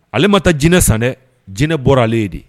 Ale ma taa jinɛinɛ san dɛ jinɛinɛ bɔra ale ye de